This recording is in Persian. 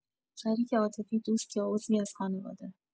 شریک عاطفی، دوست یا عضوی از خانواده